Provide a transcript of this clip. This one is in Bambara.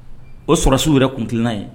O sɔrɔsiw yɛrɛ tuntina ye